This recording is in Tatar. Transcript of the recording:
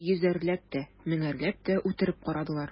Йөзәрләп тә, меңәрләп тә үтереп карадылар.